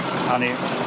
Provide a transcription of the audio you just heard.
'Na ni.